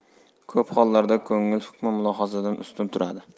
ko'p hollarda ko'ngil hukmi mulohazadan ustun turadi